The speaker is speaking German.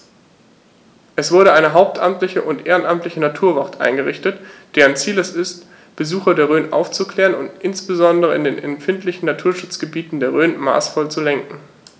Es wurde eine hauptamtliche und ehrenamtliche Naturwacht eingerichtet, deren Ziel es ist, Besucher der Rhön aufzuklären und insbesondere in den empfindlichen Naturschutzgebieten der Rhön maßvoll zu lenken.